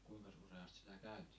kuinkas useasti sitä käytiin